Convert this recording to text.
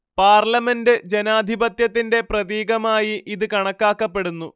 parliament ജനാധിപത്യത്തിന്റെ പ്രതീകമായി ഇത് കണക്കാക്കപ്പെടുന്നു